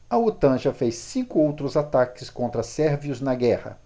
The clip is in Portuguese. a otan já fez cinco outros ataques contra sérvios na guerra